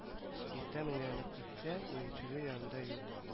Иртән уянып китсә уенчыгы янында юк